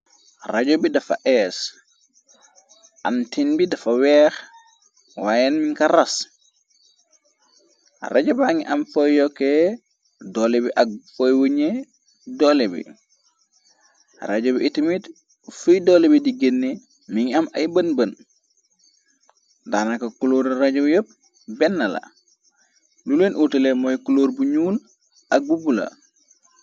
Rajo bi dafa ees am tin bi dafa weex waayeen mi ka ras rajo ba ngi am foy yokke doole bi ak foy wëñe doole bi rajo bi itimit fuy doole bi di genne mi ngi am ay bën bën daana ko kulooru rajo yepp bennla luleen uutale mooy kulóor bu ñuul ak bu bula.